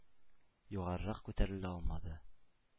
Югарырак күтәрелә алмады.